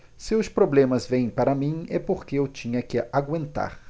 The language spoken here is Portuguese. se os problemas vêm para mim é porque eu tinha que aguentar